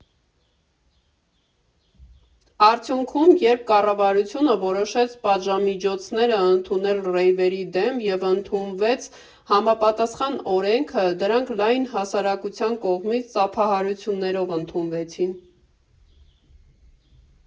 Արդյունքում, երբ կառավարությունը որոշեց պատժամիջոցներ ընդունել ռեյվերի դեմ և ընդունվեց համապատասխան օրենքը, դրանք լայն հասարակության կողմից ծափահարություններով ընդունվեցին։